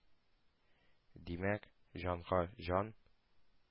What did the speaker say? — димәк, җанга — җан?